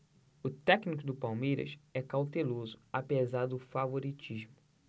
o técnico do palmeiras é cauteloso apesar do favoritismo